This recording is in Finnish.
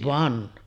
vaan